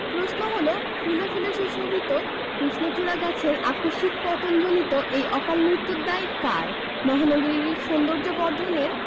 প্রশ্ন হলো ফুলে ফুলে সুশোভিত কৃষ্ণচূড়া গাছের আকস্মিক পতনজনিত এই অকালমৃত্যুর দায় কার মহানগরীর সৌন্দর্যবর্ধনের